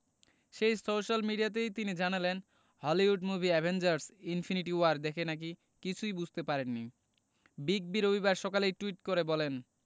সেই সোশ্যাল মিডিয়াতেই তিনি জানালেন Hollywood movie Avengers Infinity War দেখে নাকি কিছুই বুঝতে পারেননি বিগ বি রবিবার সকালেই টুইট করে বলেন